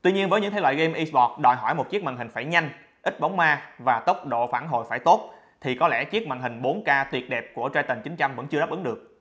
tuy nhiên ở những thể loại game esport đòi hỏi màn hình phải nhanh ít bóng ma và tốc độ phản hồi tốt thì có lẽ chiếc màn hình k tuyệt đẹp của triton vẫn chưa đáp ứng được